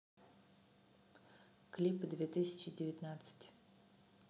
клипы две тысячи девятнадцать